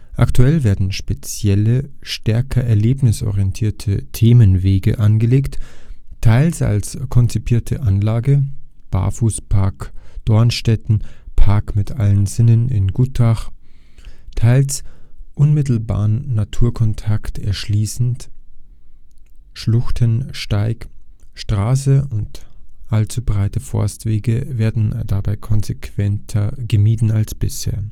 Aktuell werden spezielle, stärker erlebnisorientierte Themenwege angelegt, teils als konzipierte Anlage (Barfußpark Dornstetten, Park mit allen Sinnen in Gutach (Schwarzwaldbahn)), teils unmittelbaren Naturkontakt erschließend (Schluchtensteig). Straßen und allzu breite Forstwege werden dabei konsequenter gemieden als bisher